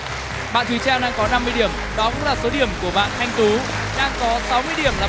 bạn thùy trang đang có năm mươi điểm đó cũng là số điểm của bạn anh tú đang có sáu mươi điểm